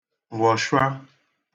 nwòshụa